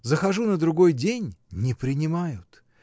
Захожу на другой день — не принимают.